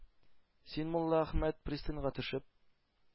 Син, Муллаәхмәт, пристаньга төшеп,